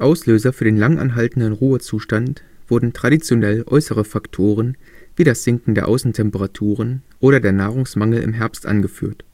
Auslöser für den lang anhaltenden Ruhezustand wurden traditionell äußere Faktoren wie das Sinken der Außentemperaturen oder der Nahrungsmangel im Herbst angeführt.